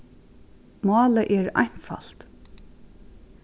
málið er einfalt